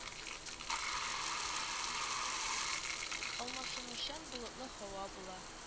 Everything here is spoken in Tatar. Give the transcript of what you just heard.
Алмашынучан болытлы һава була